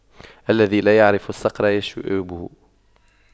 الذي لا يعرف الصقر يشويه